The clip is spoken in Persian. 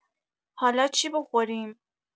حالا چی بخوریم؟